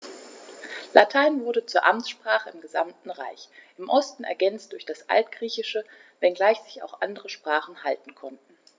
Latein wurde zur Amtssprache im gesamten Reich (im Osten ergänzt durch das Altgriechische), wenngleich sich auch andere Sprachen halten konnten.